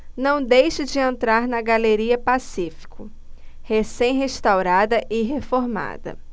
não deixe de entrar na galeria pacífico recém restaurada e reformada